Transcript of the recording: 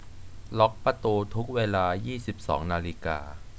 ล็อคประตูทุกเวลายี่สิบสองนาฬิกา